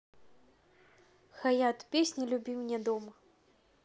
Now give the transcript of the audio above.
khayat песня люби меня дома